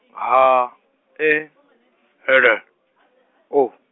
H, E, L, O.